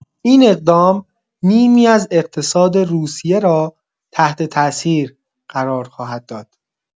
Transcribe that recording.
این اقدام، نیمی از اقتصاد روسیه را تحت‌تاثیر قرار خواهد داد.